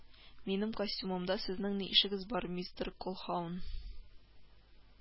Минем костюмымда сезнең ни эшегез бар, мистер Колһаун